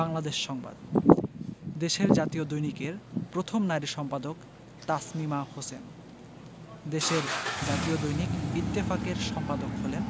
বাংলাদেশ সংবাদ দেশের জাতীয় দৈনিকের প্রথম নারী সম্পাদক তাসমিমা হোসেন দেশের জাতীয় দৈনিক ইত্তেফাকের সম্পাদক হলেন